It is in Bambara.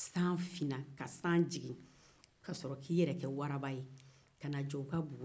san finna ka san jigin ka sɔrɔ ka na i jɔ u ka bugu da la